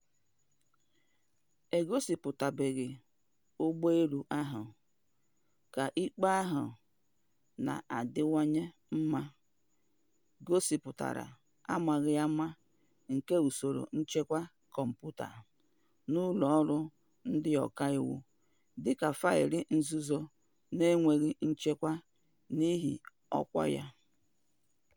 E gosịpụtabeghị ụgbọelu ahụ, ka ikpe ahụ na-adịwanye mma gosịpụtara amaghị ama nke usoro nchekwa kọmputa n'ụlọọrụ ndị ọkàiwu, dịka faịlụ nzuzo n'enweghị nchekwa n'ihi ọkwa ya.